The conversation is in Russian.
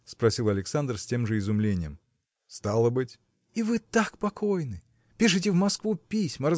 – спросил Александр с тем же изумлением. – Стало быть. – И вы так покойны! пишете в Москву письма